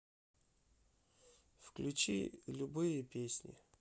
включи любые песни